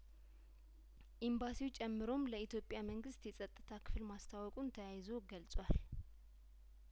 ኢምባሲው ጨምሮም ለኢትዮጵያ መንግስት የጸጥታ ክፍል ማስታወቁን ተያይዞ ገልጿል